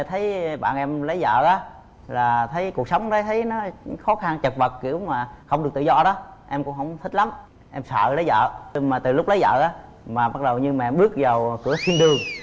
thấy bạn em lấy vợ á là thấy cuộc sống nó thấy nó khó khăn chật vật kiểu mà không được tự do đó em cũng không thích lắm em sợ lấy vợ mà từ lúc lấy vợ á mà bắt đầu như mẹ bước vào cửa thiên đường